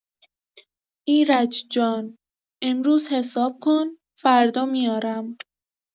ایرج جان، امروز حساب کن، فردا میارم.